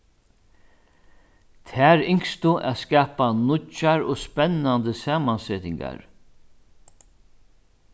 tær ynsktu at skapa nýggjar og spennandi samansetingar